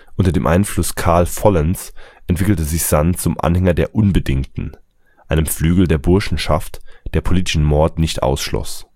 Unter dem Einfluss Karl Follens entwickelte sich Sand zum Anhänger der „ Unbedingten “, einem Flügel der Burschenschaft, der politischen Mord nicht ausschloss